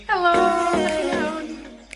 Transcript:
Helo, 'dach chi'n iawn?